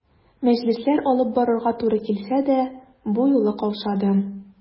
Мәҗлесләр алып барырга туры килсә дә, бу юлы каушадым.